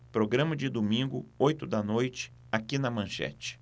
programa de domingo oito da noite aqui na manchete